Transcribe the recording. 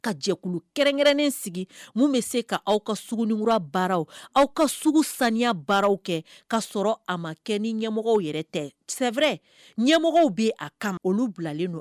Ka jɛkulukɛrɛnkɛrɛnnen sigi bɛ se ka aw ka sugu nikura baara aw ka sugu saniya kɛ ka sɔrɔ a ma kɛ ni ɲɛmɔgɔ yɛrɛ tɛ sɛɛrɛ ɲɛmɔgɔ bɛ a ka olu bilalen nɔ